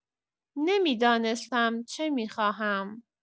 نمی‌دانستم چه می‌خواهم.